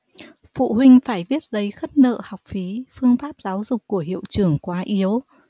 phụ huynh phải viết giấy khất nợ học phí phương pháp giáo dục của hiệu trưởng quá yếu